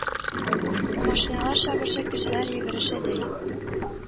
Машиналар чабыша, кешеләр йөгерешә ди